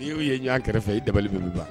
N' y'o ye ɲɛ kɛrɛfɛ fɛ i ye dabali b' ban